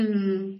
Hmm